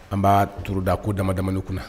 An b'a turuda ko damabamani kunna na